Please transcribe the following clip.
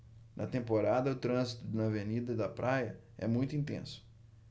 na temporada o trânsito na avenida da praia é muito intenso